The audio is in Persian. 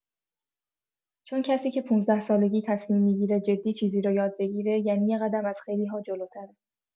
چون کسی که ۱۵ سالگی تصمیم می‌گیره جدی چیزی رو یاد بگیره، یعنی یه قدم از خیلی‌ها جلوتره.